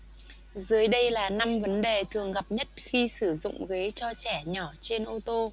dưới đây là năm vấn đề thường gặp nhất khi sử dụng ghế cho trẻ nhỏ trên ô tô